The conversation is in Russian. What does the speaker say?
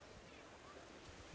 я уже даже умереть без мелодий